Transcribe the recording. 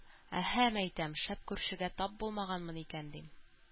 Әһә, мәйтәм, шәп күршегә тап булганмын икән, дим.